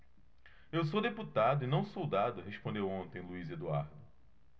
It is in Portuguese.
eu sou deputado e não soldado respondeu ontem luís eduardo